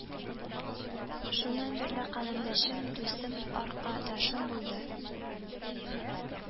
Шуннан бирле каләмдәшем, дустым, аркадашым булды